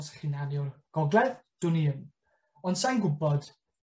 Os chi'n hanu o'r gogledd dwn i 'im ond sai'n gwbod